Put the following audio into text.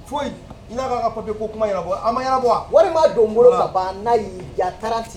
Foyi Na ka papier ko kuma in wa? A ma ɲɛnabɔ wa? Wari ma don bolo ka ban, n'a y'i diya .